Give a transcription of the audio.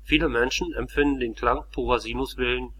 Viele Menschen empfinden den Klang purer Sinuswellen